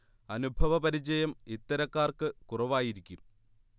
അനുഭവ പരിചയം ഇത്തരക്കാർക്ക് കുറവായിരിക്കും